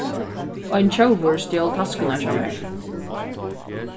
ein tjóvur stjól taskuna hjá mær